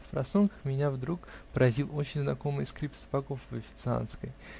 Впросонках меня вдруг поразил очень знакомый скрип сапогов в официантской.